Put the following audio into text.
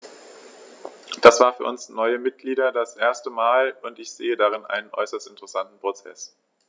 Das war für uns neue Mitglieder das erste Mal, und ich sehe darin einen äußerst interessanten Prozess.